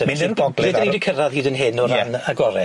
Mynd i'r gogledd ar... Ble 'dan ni 'di cyrradd hyd yn hyn o ran agore?